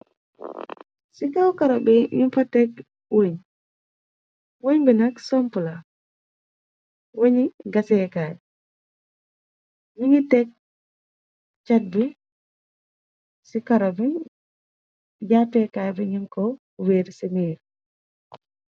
Ci kaw karo bi ñu fa tekk wëñ wëñ bi nak sampla weñi gaseekaay ñi ngi tekk chàt bi ci karo bi jappeekaay bi ñëm ko wéer ci miir.